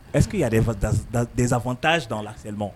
Ɛseke yɛrɛ de deɔns la samu